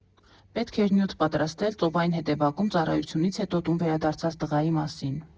Պետք էր նյութ պատրաստել ծովային հետևակում ծառայությունից հետո տուն վերադարձած տղայի մասին։